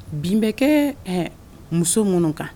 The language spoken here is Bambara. Bin bɛ kɛ muso minnu kan